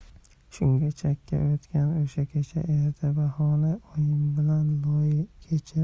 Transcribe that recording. shunda chakka o'tgan o'sha kecha erta bahorda oyim bilan loy kechib